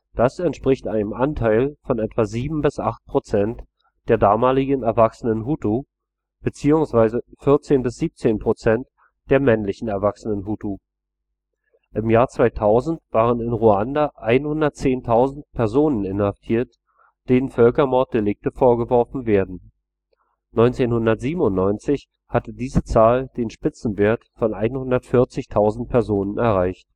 Das entspricht einem Anteil von etwa sieben bis acht Prozent der damaligen erwachsenen Hutu beziehungsweise 14 bis 17 Prozent der männlichen erwachsenen Hutu. Im Jahr 2000 waren in Ruanda 110.000 Personen inhaftiert, denen Völkermorddelikte vorgeworfen werden, 1997 hatte diese Zahl den Spitzenwert von 140.000 Personen erreicht